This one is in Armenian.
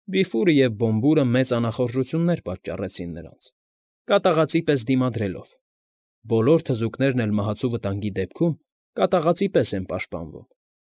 Բիֆուրը և Բոմբուրը մեծ անախորժություններ պատճառեցին նրանց՝ կատաղածի պես դիմադրելով (բոլոր թզուկներն էլ մահացու վտանգի դեպքում կատաղածի պես են պաշտպանվում)։